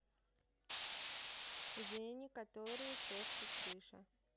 жени которые соска крыша